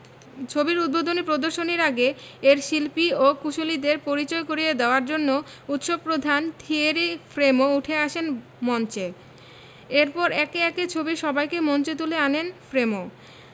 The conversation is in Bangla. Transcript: ছবির উদ্বোধনী প্রদর্শনীর আগে এর শিল্পী ও কুশলীদের পরিচয় করিয়ে দেওয়ার জন্য উৎসব প্রধান থিয়েরি ফ্রেমো উঠে আসেন মঞ্চে এরপর একে একে ছবির সবাইকে মঞ্চে তুলে আনেন ফ্রেমো